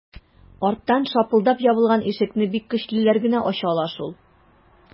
Арттан шапылдап ябылган ишекне бик көчлеләр генә ача ала шул...